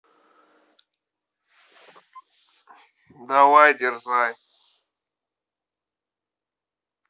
давай дерзай